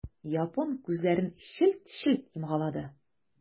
Япон күзләрен челт-челт йомгалады.